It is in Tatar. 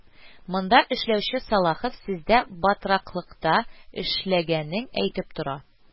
Монда эшләүче Салахов сездә батраклыкта эшләгәнен әйтеп тора